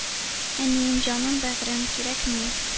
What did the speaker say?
Әнием, җаным, бәгърем... кирәкми...